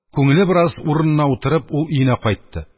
Күңеле бераз урынына утырып, ул өенә кайтты.